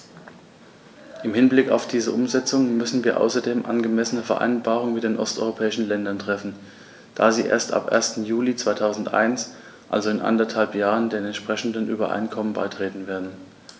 Im Hinblick auf diese Umsetzung müssen wir außerdem angemessene Vereinbarungen mit den osteuropäischen Ländern treffen, da sie erst ab 1. Juli 2001, also in anderthalb Jahren, den entsprechenden Übereinkommen beitreten werden.